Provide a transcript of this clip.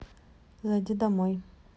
зайди домой